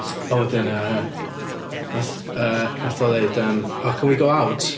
A wedyn yy wnaeth yy wnaeth o ddeud can we go out?